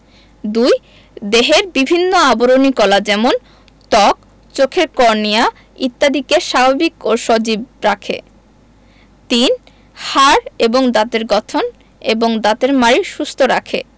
২. দেহের বিভিন্ন আবরণী কলা যেমন ত্বক চোখের কর্নিয়া ইত্যাদিকে স্বাভাবিক ও সজীব রাখে ৩. হাড় এবং দাঁতের গঠন এবং দাঁতের মাড়ি সুস্থ রাখে